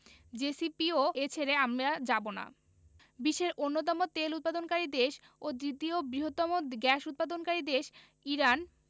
JCPOA ছেড়ে আমরা যাব না বিশ্বের অন্যতম তেল উৎপাদনকারী দেশ ও দ্বিতীয় বৃহত্তম গ্যাস উৎপাদনকারী দেশ ইরান